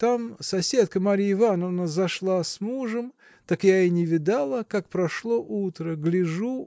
Там соседка Марья Ивановна зашла с мужем так я и не видала как прошло утро гляжу